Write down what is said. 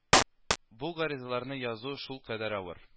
Бу гаризаларны язу шулкадәр авыр